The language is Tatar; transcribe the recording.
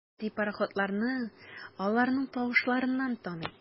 Әти пароходларны аларның тавышларыннан таный.